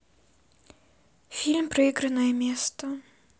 фильм проигранное место